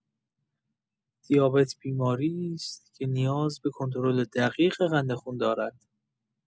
دیابت بیماری‌ای است که نیاز به کنترل دقیق قند خون دارد.